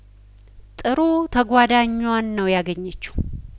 ጥሩ ተጓዳኟን ነው ያገኘችው